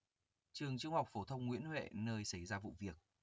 trường trung học phổ thông nguyễn huệ nơi xảy ra vụ việc